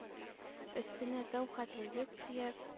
Өстенә тау хәтле йөк төяп,